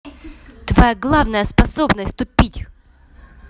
твоя главная способность тупить